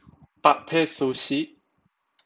ประเภทซูชิ